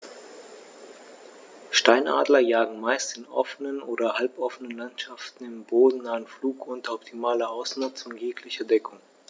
Steinadler jagen meist in offenen oder halboffenen Landschaften im bodennahen Flug unter optimaler Ausnutzung jeglicher Deckung.